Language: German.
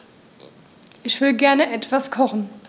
Ich will gerne etwas kochen.